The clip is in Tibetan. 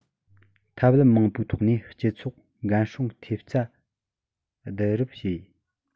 ཐབས ལམ མང པོའི ཐོག ནས སྤྱི ཚོགས འགན སྲུང ཐེབས རྩ བསྡུ རུབ བྱས